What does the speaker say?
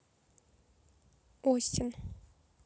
остин